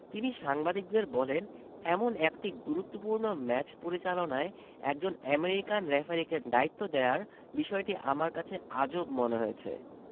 তিনি সাংবাদিকদের বলেন এমন একটি গুরুত্বপূর্ণ ম্যাচ পরিচালনায় একজন আমেরিকান রেফারিকে দায়িত্ব দেয়ার বিষয়টি আমার কাছে আজব মনে হয়েছে